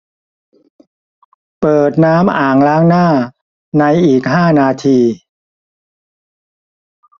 เปิดน้ำอ่างล้างหน้าในอีกห้านาที